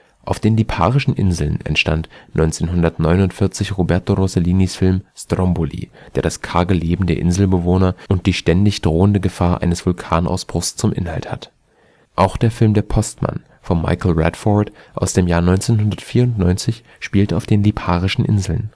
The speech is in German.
Auf den Liparischen Inseln entstand 1949 Roberto Rossellinis Film Stromboli, der das karge Leben der Inselbewohner und die ständig drohende Gefahr eines Vulkanausbruchs zum Inhalt hat. Auch der Film Der Postmann von Michael Radford aus dem Jahr 1994 spielt auf den Liparischen Inseln